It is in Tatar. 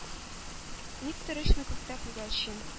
Никтер очмый күктә күгәрчен,